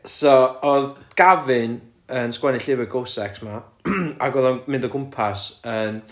so o'dd Gavin yn sgwennu llyfr ghost sex ma' ac o'dd o'n mynd o gwmpas yn...